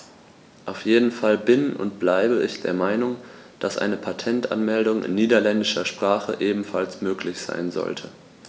Auf jeden Fall bin - und bleibe - ich der Meinung, dass eine Patentanmeldung in niederländischer Sprache ebenfalls möglich sein sollte.